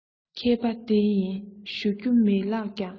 མཁས པ འདི ཡིན ཞུ རྒྱུ མེད ལགས ཀྱང